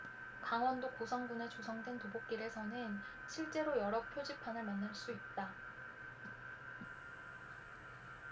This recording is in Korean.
강원도 고성군에 조성된 도보길에서는 실제로 여러 표지판을 만날 수 있다